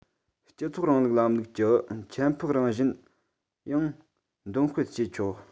སྤྱི ཚོགས རིང ལུགས ལམ ལུགས ཀྱི ཁྱད འཕགས རང བཞིན ཡང འདོན སྤེལ བྱས ཆོག